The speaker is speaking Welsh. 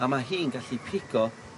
a ma' hi'n gallu pigo